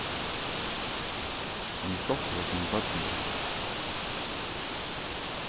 hann er stoltur av sínum børnum